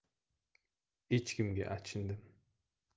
echkimga achindim